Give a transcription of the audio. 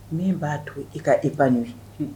Min b'a to i ka e ba n'o ye